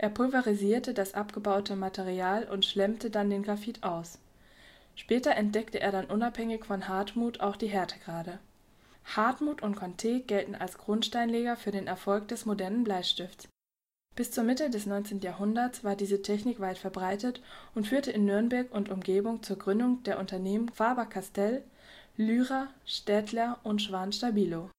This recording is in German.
pulverisierte das abgebaute Material und schlämmte dann den Graphit aus. Später entdeckte er dann unabhängig von Hardtmuth auch die Härtegrade. Hardtmuth und Conté gelten als Grundsteinleger für den Erfolg des modernen Bleistifts. Bis zur Mitte des 19. Jahrhunderts war diese Technik weit verbreitet und führte in Nürnberg und Umgebung zur Gründung der Unternehmen Faber-Castell, Lyra, Staedtler und Schwan-Stabilo